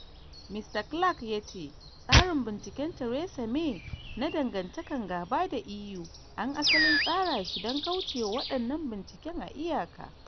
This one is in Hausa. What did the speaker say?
Mr Clark ya ce tsarin binciken Theresa May na dagantakan gaba da EU an “asalin tsara shi dan kauce wa waɗannan binciken a iyaka.”